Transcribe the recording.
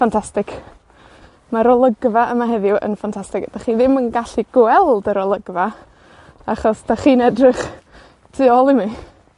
ffantastig. Mae'r olygfa yma heddiw yn ffantastig. 'Dach chi ddim yn gallu gweld yr olygfa, achos 'dach chi'n edrych tu ôl i mi,